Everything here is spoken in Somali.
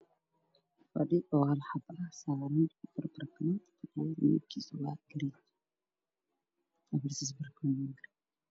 Waa fadhi midabkiisu yahay madow waxaa saaraan barkino midabkooda iyo madow